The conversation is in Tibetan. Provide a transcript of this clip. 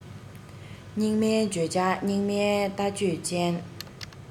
སྙིགས མའི བརྗོད བྱ སྙིགས མའི ལྟ སྤྱོད ཅན